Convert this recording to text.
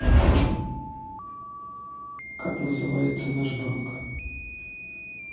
как называется наш банк